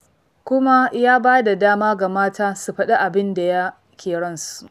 Kuma ya ba da dama ga mata su faɗi abin da ya ke ransu.